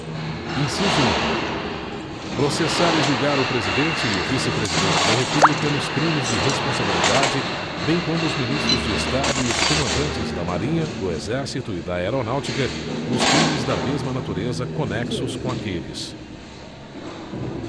inciso um processar e julgar o presidente e o vice presidente da república nos crimes de responsabilidade bem como os ministros de estado e os comandantes da marinha do exército e da aeronáutica nos crimes da mesma natureza conexos com aqueles